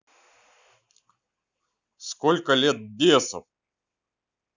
сколько лет бесов